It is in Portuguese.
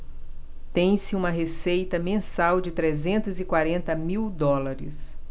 tem-se uma receita mensal de trezentos e quarenta mil dólares